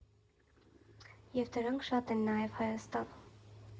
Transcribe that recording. Եվ դրանք շատ են նաև Հայաստանում։